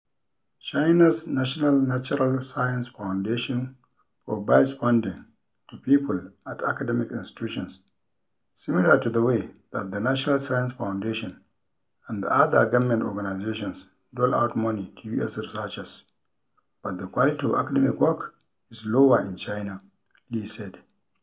China's National Natural Science Foundation provides funding to people at academic institutions similar to the way that the National Science Foundation and other government organizations dole out money to U.S. researchers, but the quality of academic work is lower in China, Lee said.